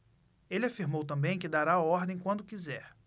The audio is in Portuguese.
ele afirmou também que dará a ordem quando quiser